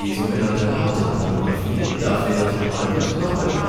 so genannte harte Pornografie darf weder verbreitet noch einem